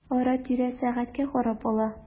Ара-тирә сәгатькә карап ала.